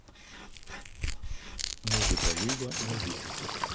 музыка люба не любит